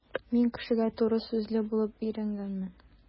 Мин кешегә туры сүзле булып өйрәнгәнмен.